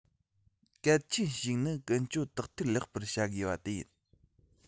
གལ ཆེན ཞིག ནི ཀུན སྤྱོད དག ཐེར ལེགས པར བྱ དགོས པ དེ ཡིན